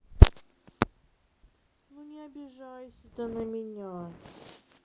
ну не обижайся ты на меня